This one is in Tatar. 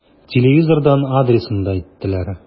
Телевизордан адресын да әйттеләр.